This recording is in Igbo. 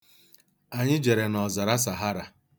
Anyị jere n'Ọzara Sahara.